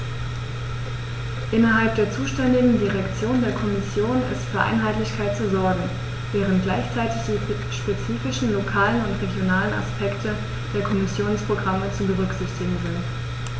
Innerhalb der zuständigen Direktion der Kommission ist für Einheitlichkeit zu sorgen, während gleichzeitig die spezifischen lokalen und regionalen Aspekte der Kommissionsprogramme zu berücksichtigen sind.